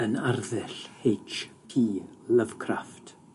yn arddull Haich Pi Lovecraft.